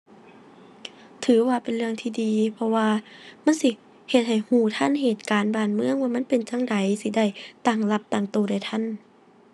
ถือว่าเป็นเรื่องที่ดี เพราะว่ามันสิเฮ็ดให้รู้ทันเหตุการณ์บ้านเมืองว่ามันเป็นจั่งใด สิได้ตั้งรับตั้งรู้ได้ทัน